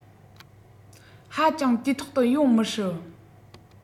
ཧ ཅང དུས ཐོག ཏུ ཡོང མི སྲིད